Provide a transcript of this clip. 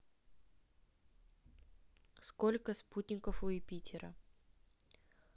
сколько спутников у юпитера